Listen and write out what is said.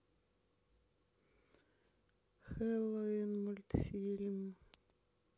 хэллоуин мультфильм